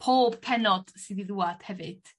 pob pennod sydd i ddŵad hefyd.